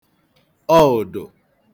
ọụ̀dụ̀